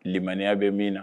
Limaniya be min na